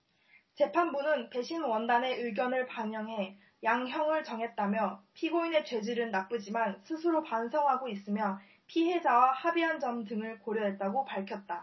재판부는 배심원단의 의견을 반영해 양형을 정했다며 피고인의 죄질은 나쁘지만 스스로 반성하고 있으며 피해자와 합의한 점 등을 고려했다고 밝혔다